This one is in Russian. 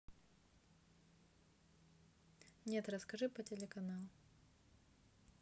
нет расскажи по телеканал